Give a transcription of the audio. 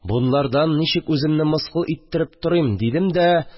Бунлардан ничек үземне мыскыл иттереп торыйм?» – дидем дә